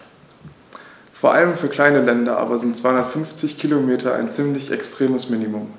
Vor allem für kleine Länder aber sind 250 Kilometer ein ziemlich extremes Minimum.